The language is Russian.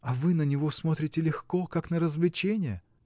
А вы на него смотрите легко, как на развлечение.